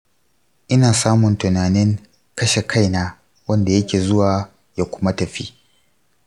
ina samun tunanin kashe kaina wanda yake zuwa ya kuma tafi.